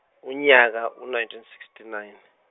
unyaka u- ninteen sixty nine.